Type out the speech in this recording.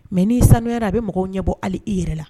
Mɛ n'i sanuyara a bɛ mɔgɔw ɲɛ bɔ ali i yɛrɛ la